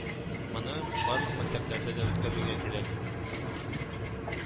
Моны барлык мәктәпләрдә дә үткәрергә кирәк